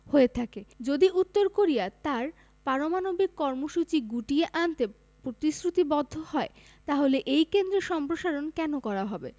হয়ে থাকে যদি উত্তর কোরিয়া তার পারমাণবিক কর্মসূচি গুটিয়ে আনতে প্রতিশ্রুতিবদ্ধ হয় তাহলে এই কেন্দ্রের সম্প্রসারণ কেন করা হবে